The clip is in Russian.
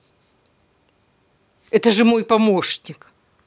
это же мой помощник